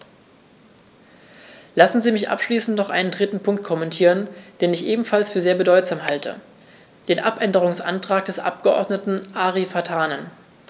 Lassen Sie mich abschließend noch einen dritten Punkt kommentieren, den ich ebenfalls für sehr bedeutsam halte: den Abänderungsantrag des Abgeordneten Ari Vatanen.